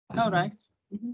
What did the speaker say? O reit m-hm.